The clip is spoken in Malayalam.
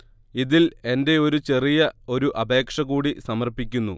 ഇതിൽ എന്റെ ഒരു ചെറിയ ഒരു അപേക്ഷ കൂടി സമർപ്പിക്കുന്നു